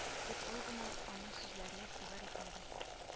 Тик ул гына аның сүзләренә игътибар итмәде